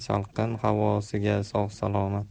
salqin havosida sog' salomat